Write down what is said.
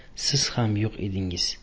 siz xam yo'q edingiz